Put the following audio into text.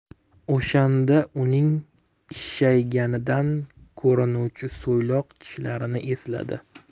o'shanda uning ishshayganidan ko'rinuvchi so'ylok tishlarini esladi